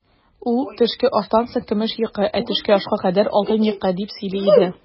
Ул, төшке аштан соң көмеш йокы, ә төшке ашка кадәр алтын йокы, дип сөйли иде.